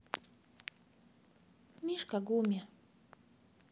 мишка гумми